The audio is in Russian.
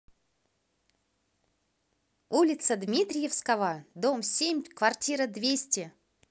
улица дмитриевского дом семь квартира двести